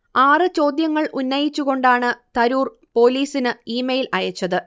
ആറ് ചോദ്യങ്ങൽ ഉന്നയിച്ചുകൊണ്ടാണ് തരൂർ പോലീസിന് ഇമെയ്ൽ അയച്ചത്